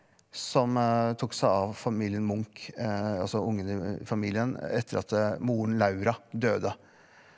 som tok seg av familien Munch altså ungene i familien etter at moren Laura døde.